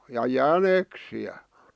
ja jäniksiä